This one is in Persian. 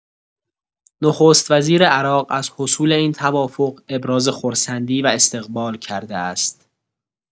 نخست‌وزیر عراق از حصول این توافق ابراز خرسندی و استقبال کرده است.